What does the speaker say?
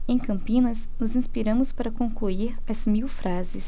em campinas nos inspiramos para concluir as mil frases